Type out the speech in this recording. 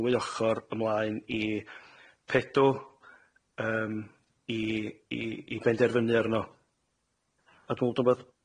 ddwy ochor ymlaen i PEDW yym i i i benderfynu arno a dwi'n meddwl 'd o'n 'wbath